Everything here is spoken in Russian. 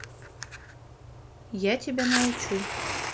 я тебя научу